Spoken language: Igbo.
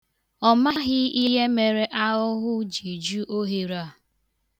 Ọ maghị ihe mere ahụhụ ji ju ohere a.